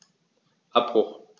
Abbruch.